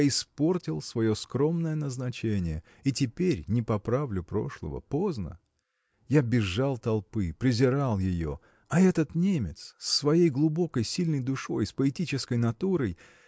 я испортил свое скромное назначение и теперь не поправлю прошлого поздно! Я бежал толпы презирал ее – а этот немец с своей глубокой сильной душой с поэтической натурой